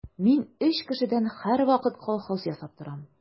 Мин өч кешедән һәрвакыт колхоз ясап торам.